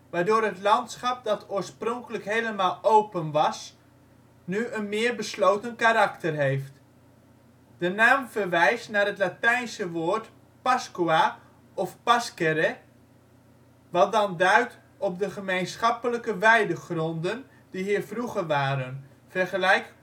waardoor het landschap dat oorspronkelijk helemaal open was nu een meer besloten karakter heeft. De naam verwijst naar het Latijnse woord pascua of pascere, wat dan duidt op de (gemeenschappelijke) weidegronden die hier vroeger waren (vergelijk